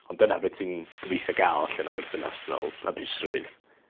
ond dyna be' ti'n gobithio gal allan o berthynas dwi me'wl hapusrwydd.